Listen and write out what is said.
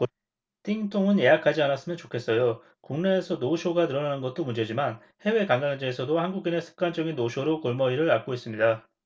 띵똥은 예약하지 않았으면 좋겠어요국내에서 노쇼가 늘어나는 것도 문제지만 해외 관광지에서도 한국인의 습관적인 노쇼로 골머리를 앓고 있습니다